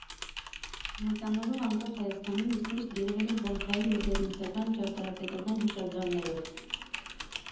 Մեծանալով անկախ Հայաստանում՝ ես միշտ գերվել եմ խորհրդային մոդեռնիստական ճարտարապետական հուշարձաններով։